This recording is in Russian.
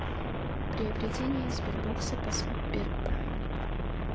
приобретение сбербокса по сберпрайму